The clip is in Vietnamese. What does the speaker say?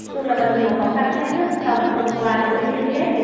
dù là còn nhiều khó khăn thách thức song thông qua chuỗi liên kết thì